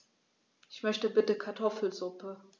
Ich möchte bitte Kartoffelsuppe.